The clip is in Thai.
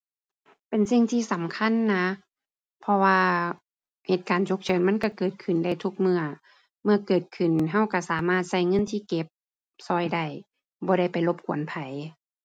เป็นสิ่งที่สำคัญนะ เพราะว่าเหตุการณ์ฉุกเฉินมันก็เกิดขึ้นได้ทุกเมื่อ เมื่อเกิดขึ้นก็ก็สามารถก็เงินที่เก็บก็ได้ บ่ได้ไปรบกวนไผ